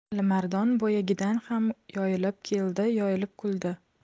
alimardon boyagidan ham yoyilib keldi yoyilib kuldi